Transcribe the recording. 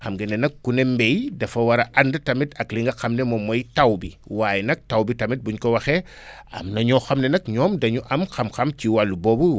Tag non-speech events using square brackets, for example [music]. xam ngeen ne nag ku ne mbéy dafa war a ànd tamit ak li nga xam ne moom mooy taw bi waaye nag taw bi tamit buñ ko waxee [breath] am na ñoo xam ne nag ñoom dañu am xam-xam ci wàllu boobu